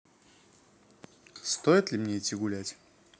стоит ли мне идти гулять